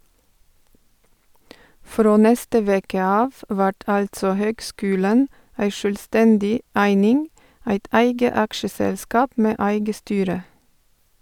Frå neste veke av vert altså høgskulen ei sjølvstendig eining, eit eige aksjeselskap med eige styre.